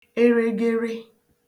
eregere